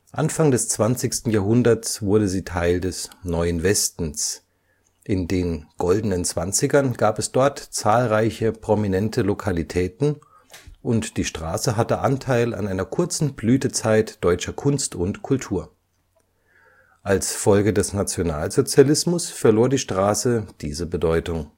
Anfang des 20. Jahrhunderts wurde sie Teil des „ Neuen Westens “, in den Goldenen Zwanzigern gab es dort zahlreiche prominente Lokalitäten und die Straße hatte Anteil an einer kurzen Blütezeit deutscher Kunst und Kultur. Als Folge des Nationalsozialismus verlor die Straße diese Bedeutung